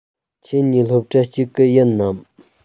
ཁྱེད གཉིས སློབ གྲྭ གཅིག གི ཡིན ནམ